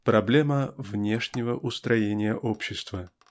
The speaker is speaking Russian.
проблема внешнего устроения общества